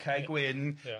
Cai Gwyn. Ia.